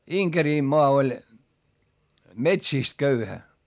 Inkerinmaa oli metsistä köyhä